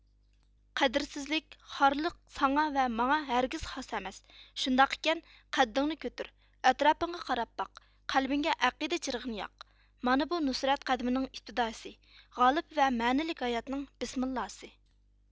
قەدىرسىزلىك خارلىق ساڭا ۋە ماڭا ھەرگىز خاس ئەمەس شۇنداق ئىكەن قەددىڭنى كۆتۈر ئەتراپىڭغا قاراپ باق قەلبىڭگە ئەقىدە چىرىغىنى ياق مانا بۇ نۇسرەت قەدىمىنىڭ ئىپتىداسى غالىپ ۋە مەنىلىك ھاياتنىڭ بىسمىللاسى